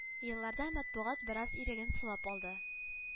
Елларда матбугат бераз иреген сулап алды